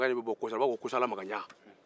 o makan bɛ bɔ kosala